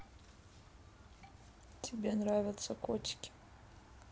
тебе нравятся котики